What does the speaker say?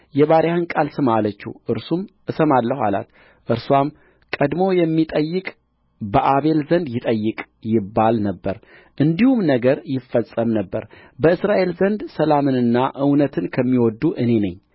የባሪያህን ቃል ስማ አለችው እርሱም እሰማለሁ አላት እርስዋም ቀድሞ የሚጠይቅ በአቤል ዘንድ ይጠይቅ ይባል ነበር እንዲሁም ነገሩ ይፈጸም ነበር በእስራኤል ዘንድ ሰላምንና እውነትን ከሚወድዱ እኔ ነኝ